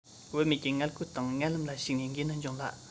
བུད མེད ཀྱི མངལ སྒོ དང མངལ ལམ ལ ཞུགས ན འགོས ནད འབྱུང སླ